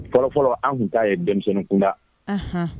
Fɔlɔfɔlɔ an tun' ye denmisɛnnin kunda